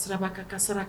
Siraba kasɔrɔ